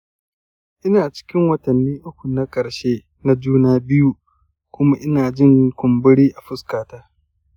ina cikin watanni uku na karshe na juna biyu kuma inajin kumburi a fuska ta